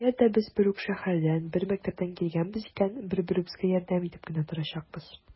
Әгәр дә без бер үк шәһәрдән, бер мәктәптән килгәнбез икән, бер-беребезгә ярдәм итеп кенә торачакбыз.